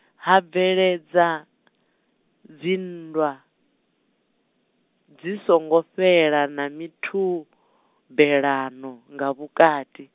ha bveledza, dzinndwa, dzi songo fhela na mithubelano, nga vhukati.